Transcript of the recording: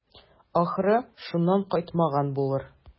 Ахры, шуннан кайтмаган булыр.